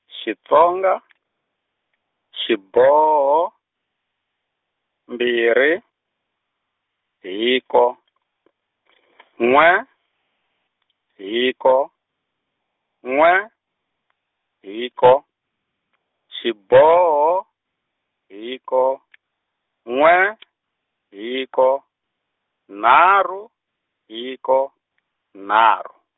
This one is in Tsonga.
Xitsonga , xiboho, mbirhi, hiko , n'we, hiko, n'we, hiko, xiboho, hiko n'we hiko, nharhu, hiko, nharhu.